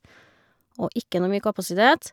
Og ikke noe mye kapasitet.